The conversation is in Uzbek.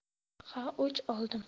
ha o'ch oldim